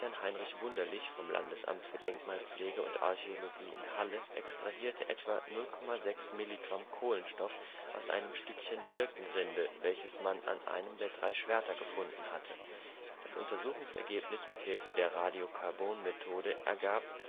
Christian-Heinrich Wunderlich vom Landesamt für Denkmalpflege und Archäologie in Halle extrahierte etwa 0.6 Milligramm Kohlenstoff aus einem Stückchen Birkenrinde, welches man an einem der drei Schwerter gefunden hatte. Das Untersuchungsergebnis mit Hilfe der Radiokarbonmethode ergab